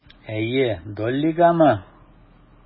Әйе, Доллигамы?